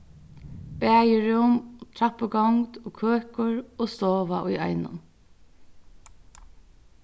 baðirúm og trappugongd og køkur og stova í einum